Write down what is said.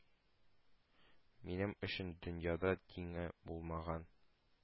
— минем өчен дөньяда тиңе булмаган,